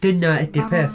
Dyna ydy'r peth.